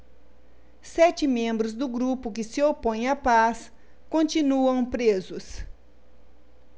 sete membros do grupo que se opõe à paz continuam presos